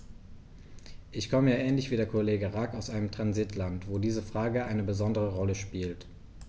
Ich komme ja ähnlich wie der Kollege Rack aus einem Transitland, wo diese Frage eine besondere Rolle spielt.